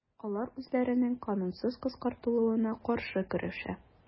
Алар үзләренең канунсыз кыскартылуына каршы көрәшә.